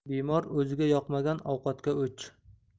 bemor o'ziga yoqmagan ovqatga o'ch